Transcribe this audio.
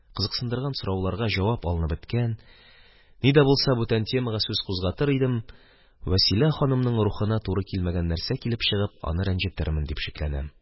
Кызыксындырган сорауларга җавап алынып беткән, ни дә булса бүтән темага сүз кузгатыр идем, Вәсилә ханымның рухына туры килмәгән нәрсә килеп чыгып, аны рәнҗетермен дип шикләнәм.